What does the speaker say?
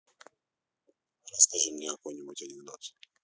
расскажи мне какой нибудь анекдот